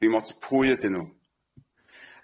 Ddim ots pwy ydyn nw.